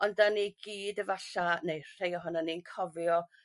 ond 'dan ni i gyd efalla neu rhei ohonon ni'n cofio